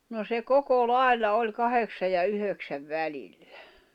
no se koko lailla oli kahdeksan ja yhdeksän välillä